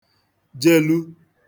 jelu